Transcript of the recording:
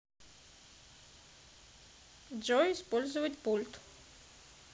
джой использовать пульт